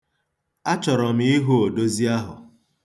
Achọrọ m ịhụ odozi ahụ.